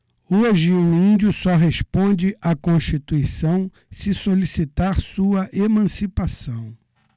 hoje o índio só responde à constituição se solicitar sua emancipação